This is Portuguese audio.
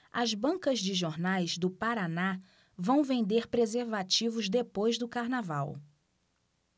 as bancas de jornais do paraná vão vender preservativos depois do carnaval